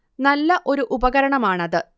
നല്ല ഒരു ഉപകരണം ആണ് അത്